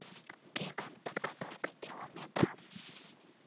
бегаем подготовка километра